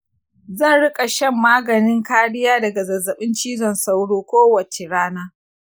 zan rinka shan maganin kariya daga zazzaɓin cizon sauro kowace rana.